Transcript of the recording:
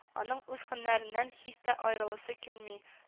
Аның үз һөнәреннән һич тә аерыласы килми